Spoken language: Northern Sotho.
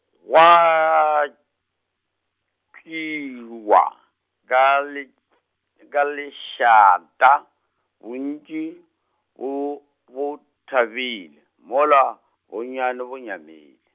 gwa, tšwiwa ka le, ka lešata, bontši o bo thabile, mola, bonyane bo nyamile.